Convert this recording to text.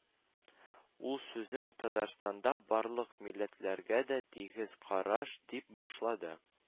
Ул сүзен Татарстанда барлык милләтләргә дә тигез караш дип башлады